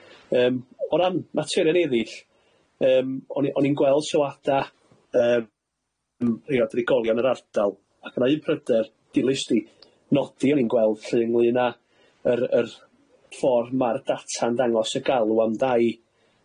Yym, o ran materion erill yym, o'n i o'n i'n gweld sylwada yym m- rhei o drigolion yr ardal, ac o'na un pryder dilys 'di nodi o'n i'n gweld lly ynglŷn â yr yr ffor ma'r data'n dangos y galw am dai.